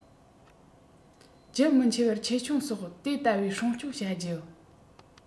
རྒྱུན མི ཆད པར ཆེ ཆུང སོགས དེ ལྟ བུའི སྲུང སྐྱོང བྱ རྒྱུ